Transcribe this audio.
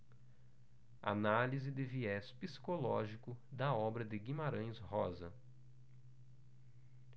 análise de viés psicológico da obra de guimarães rosa